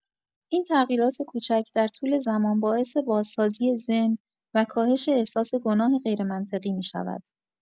این تغییرات کوچک در طول زمان باعث بازسازی ذهن و کاهش احساس گناه غیرمنطقی می‌شود.